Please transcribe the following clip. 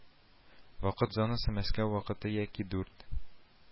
Вакыт зонасы Мәскәү вакыты яки дүрт